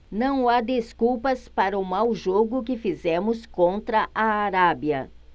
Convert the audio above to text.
não há desculpas para o mau jogo que fizemos contra a arábia